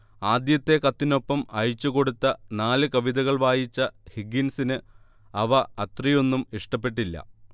ആദ്യത്തെ കത്തിനൊപ്പം അയച്ചുകൊടുത്ത നാല് കവിതകൾ വായിച്ച ഹിഗിൻസിന് അവ അത്രയൊന്നും ഇഷ്ടപ്പെട്ടില്ല